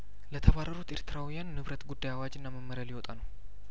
ለተባረሩት ኤርትራውያን ንብረት ጉዳይ አዋጅና መመሪያ ሊወጣ ነው